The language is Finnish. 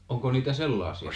onko niitä sellaisiakin